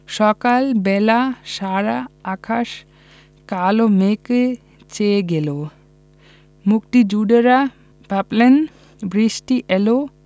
সকাল বেলা সারা আকাশ কালো মেঘে ছেয়ে গেল মুক্তিযোদ্ধারা ভাবলেন বৃষ্টি এলে